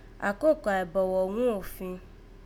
Àkókò àìbọ̀ghọ̀ ghún òfin